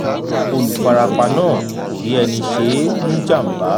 Olùfarapa náà kò rí ẹni ṣé ní jàmbá.